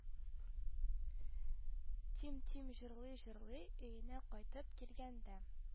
Тим-Тим җырлый-җырлый өенә кайтып килгәндә